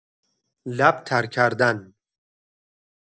لب‌تر کردن